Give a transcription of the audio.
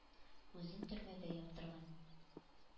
Үзен төрмәгә яптырган.